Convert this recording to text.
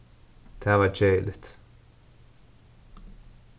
tað var keðiligt